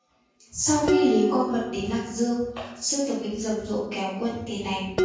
sau khi lý quang bật đến lạc dương sử tư minh rầm rộ kéo quân tiến đánh